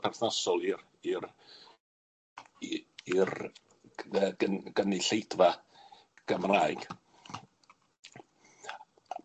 perthnasol i'r i'r i- i'r g- yy gyn- gynulleidfa Gymraeg.